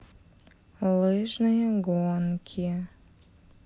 лыжные гонки